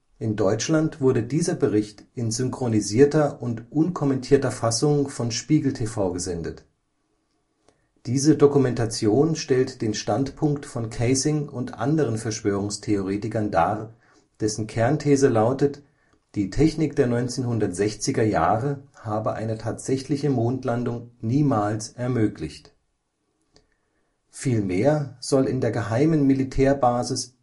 In Deutschland wurde dieser Bericht in synchronisierter und unkommentierter Fassung von Spiegel TV gesendet. Diese Dokumentation stellt den Standpunkt von Kaysing und anderen Verschwörungstheoretikern dar, dessen Kernthese lautet, die Technik der 1960er-Jahre habe eine tatsächliche Mondlandung niemals ermöglicht. Vielmehr soll in der geheimen Militärbasis